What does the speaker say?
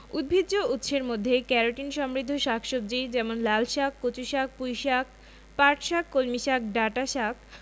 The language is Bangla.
উদ্ভিজ্জ উৎসের মধ্যে ক্যারোটিন সমৃদ্ধ শাক সবজি যেমন লালশাক কচুশাক পুঁইশাক পাটশাক কলমিশাক ডাঁটাশাক